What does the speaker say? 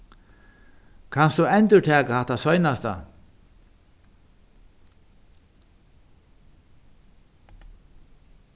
kanst tú endurtaka hatta seinasta